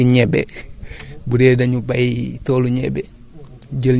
mais man comme dama bëgg ñebe bu dee dañu bay toolu ñebe